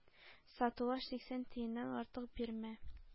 Сатулаш, сиксән тиеннән артык бирмә.